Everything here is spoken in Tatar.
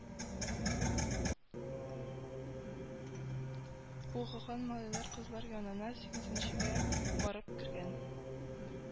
Укыган малайлар-кызлар янына, сигезенчегә барып кергән